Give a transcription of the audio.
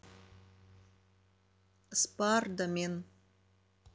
spar домен